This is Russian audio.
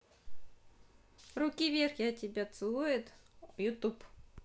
руки вверх а он тебя целует youtube